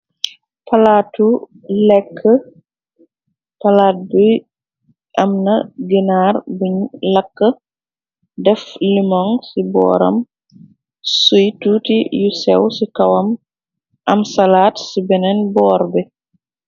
Palaatu leeke palaat bi am na ginaar biñ lakka def lemon ci booram suy tuuti yu sew ci kawam am salaat ci beneen boor bi.